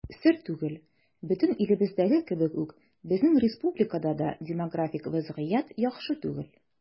Сер түгел, бөтен илебездәге кебек үк безнең республикада да демографик вазгыять яхшы түгел.